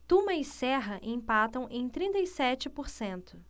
tuma e serra empatam em trinta e sete por cento